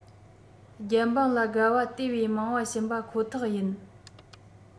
རྒྱལ འབངས ལ དགའ བ དེ བས མང བ བྱིན པ ཁོ ཐག ཡིན